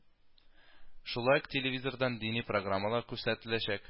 Шулай ук телевизордан дини программалар күрсәтеләчәк